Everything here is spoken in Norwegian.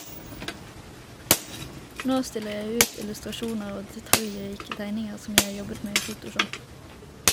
Nå stiller jeg ut illustrasjoner og detaljrike tegninger som jeg har jobbet med i photoshop.